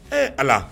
Ee ala